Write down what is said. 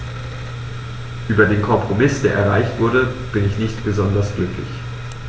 Über den Kompromiss, der erreicht wurde, bin ich nicht besonders glücklich.